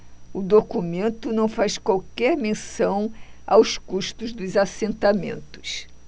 o documento não faz qualquer menção aos custos dos assentamentos